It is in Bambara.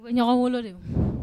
U bɛ ɲɔgɔnwolo de koyi !